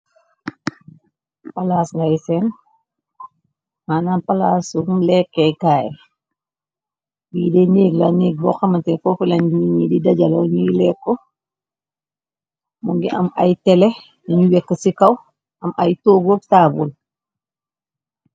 Palaas ngay seen manam palaasum lekkee gaay bii de neeg la. Néeg boo xamate fofilan yini di dajalo ñuy lekko. Mu ngi am ay tele lañu wekk ci kaw am ay toogóob taabul.